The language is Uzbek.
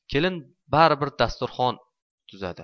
kelin baribir dasturxon tuzadi